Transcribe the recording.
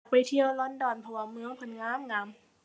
ไปเที่ยวลอนดอน เพราะว่าเมืองเพิ่นงามงาม